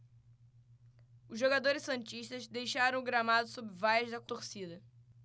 os jogadores santistas deixaram o gramado sob vaias da torcida